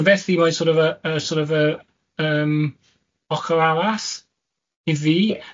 felly mae sor' of y y sor' of y yym, ochr arall i fi